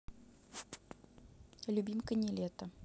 любимка нилетто